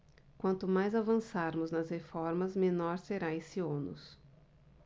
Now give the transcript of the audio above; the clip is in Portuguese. quanto mais avançarmos nas reformas menor será esse ônus